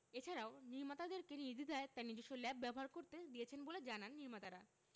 এছাড়াও নির্মাতাদেরকে নির্দ্বিধায় তার নিজস্ব ল্যাব ব্যবহার করতে দিয়েছেন বলে জানান নির্মাতারা